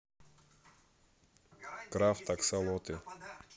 крафт аксолоты